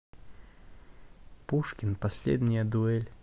пушкин последняя дуэль